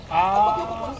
A